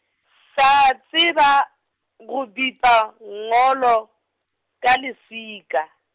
sa tseba, go bipa ngolo, ka leswika.